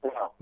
waaw